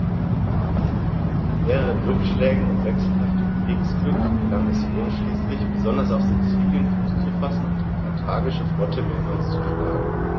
Nach mehreren Rückschlägen und wechselhaftem Kriegsglück gelang es Rom schließlich, besonders auf Sizilien Fuß zu fassen und die karthagische Flotte mehrmals zu schlagen.